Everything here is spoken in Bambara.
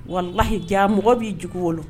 Wala lahi diya mɔgɔ b'i dugu wolo